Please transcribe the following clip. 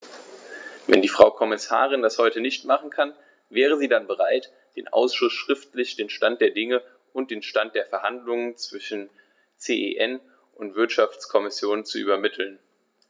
Wenn die Frau Kommissarin das heute nicht machen kann, wäre sie dann bereit, dem Ausschuss schriftlich den Stand der Dinge und den Stand der Verhandlungen zwischen CEN und Wirtschaftskommission zu übermitteln?